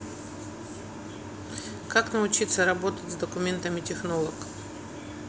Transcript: как научиться работать с документами технолог